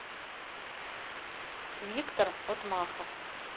виктор отмахов